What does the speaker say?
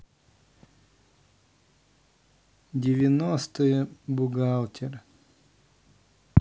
девяностые бухгалтер